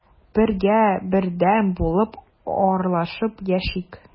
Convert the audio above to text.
Бергә, бердәм булып аралашып яшик.